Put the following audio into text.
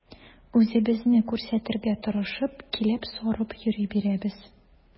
Үзебезне күрсәтергә тырышып, киләп-сарып йөри бирәбез.